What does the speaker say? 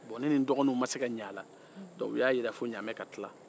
bɔn ne ni n dɔgɔninw ma se ka ɲɛ a la o y'a jira ko fo ɲamɛ ka tilan